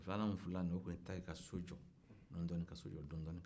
filanan min furula nin ye o kɔni ta ye ka so jɔ dɔɔnin-dɔɔnin ka so jɔ dɔɔnin-dɔɔnin